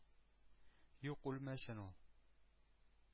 — юк, үлмәсен ул...